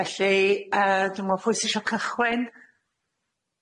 Felly yy dwi me'wl pwy sy isio cychwyn?